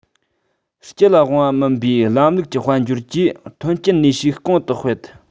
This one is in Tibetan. སྤྱི ལ དབང བ མིན པའི ལམ ལུགས ཀྱི དཔལ འབྱོར གྱིས ཐོན སྐྱེད ནུས ཤུགས གོང དུ སྤེལ